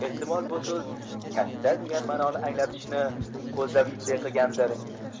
ehtimol bu so'z katta degan ma'noni anglatishini ko'zlab shunday qilgandir